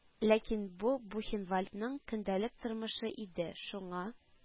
Ләкин бу бухенвальдның көндәлек тормышы иде, шуңа